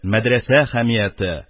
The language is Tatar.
Мәдрәсә хәмияте